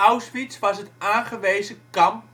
Auschwitz was het aangewezen kamp